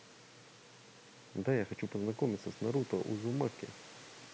да я хочу познакомиться с наруто узумаки